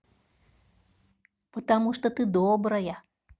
потому что ты добрая